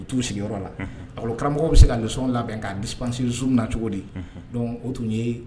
U t'u sigin la agolo karamɔgɔ bɛ se ka labɛn k' dipsi z na cogo di o tun ye